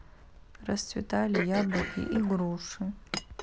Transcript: расцветали яблоки и груши